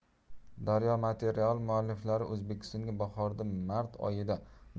daryomaterial mualliflari o'zbekistonga bahorda mart oyida